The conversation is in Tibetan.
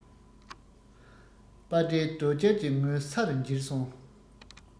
པ ཊའི རྡོ གཅལ གྱི ངོས ས རུ འགྱེལ སོང